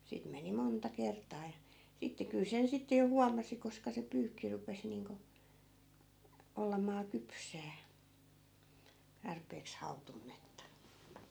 siitä meni monta kertaa ja sitten kyllä sen sitten jo huomasi koska se pyykki rupesi niin kuin olemaan kypsää tarpeeksi hautunutta